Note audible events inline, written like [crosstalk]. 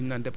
[hesitation] [hesitation]